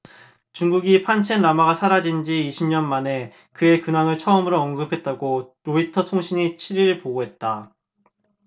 중국이 판첸 라마가 사라진 지 이십 년 만에 그의 근황을 처음 언급했다고 로이터통신이 칠 일 보도했다